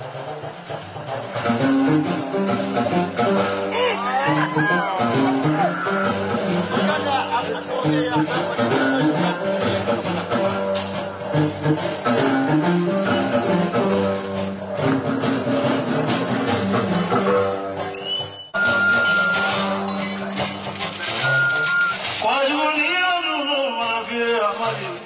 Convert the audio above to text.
Wa y wa